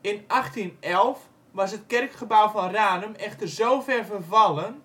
In 1811 was het kerkgebouw van Ranum echter zover vervallen,